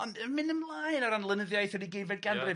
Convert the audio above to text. Ond yn mynd ymlaen o ran lenyddiaeth yr Ugeinfed Ganrif... Ia.